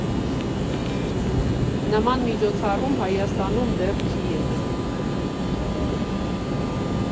Նման միջոցառում Հայաստանում դեռ չի եղել։